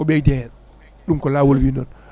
o ɓeyde hen ɗum ko laawol wi noon